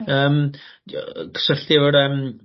Yym. Di- o- yy cysylltu efo'r yym